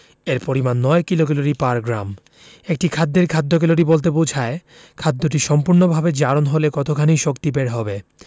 এর পরিমান ৯ kilocalorie per gram একটা খাদ্যের খাদ্য ক্যালোরি বলতে বোঝায় খাদ্যটি সম্পূর্ণভাবে জারণ হলে কতখানি শক্তি বের হবে